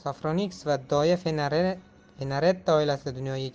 sofroniks va doya fenaretta oilasida dunyoga keldi